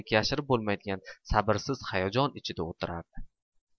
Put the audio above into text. yashirib bo'lmaydigan sabrsiz hayajon ichida o'tirardi